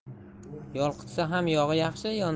yolqitsa ham yog' yaxshi